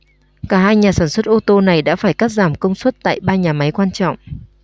cả hai nhà sản xuất ô tô này đã phải cắt giảm công suất tại ba nhà máy quan trọng